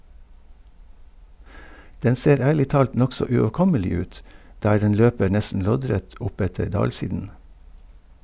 Den ser ærlig talt nokså uoverkommelig ut, der den løper nesten loddrett oppetter dalsiden.